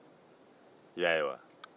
i y'a ye wa